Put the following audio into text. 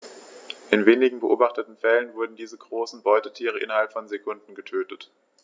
In den wenigen beobachteten Fällen wurden diese großen Beutetiere innerhalb von Sekunden getötet.